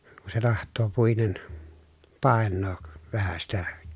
kun se tahtoo puinen painaa vähän sitä